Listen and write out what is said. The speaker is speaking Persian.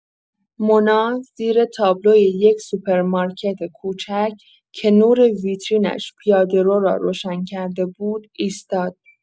مونا زیر تابلوی یک سوپرمارکت کوچک که نور ویترینش پیاده‌رو را روشن کرده بود، ایستاد.